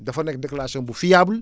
dafa nekk déclaration bu fiable